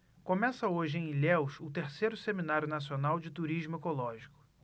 começa hoje em ilhéus o terceiro seminário nacional de turismo ecológico